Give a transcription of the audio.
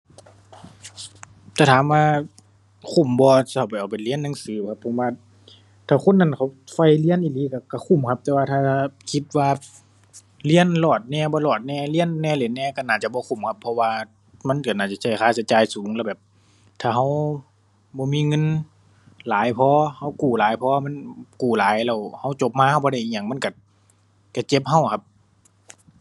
ถ้าถามว่าคุ้มบ่ ถ้าไปเอาไปเรียนหนังสือบ่ครับ ผมว่าถ้าคนนั้นเขาใฝ่เรียนอีหลีก็ ก็คุ้มครับ แต่ว่าถ้าคิดว่าเรียนรอดแหน่ บ่รอดแหน่ เรียนแหน่ เล่นแหน่ ก็น่าจะบ่คุ้มครับ เพราะว่ามันก็น่าสิใช้ค่าใช้จ่ายสูง แล้วแบบถ้าก็บ่มีเงินหลายพอ ก็กู้หลาย พอมันกู้หลายแล้วก็จบมา ก็บ่ได้อิหยัง มันก็ ก็เจ็บก็อะครับ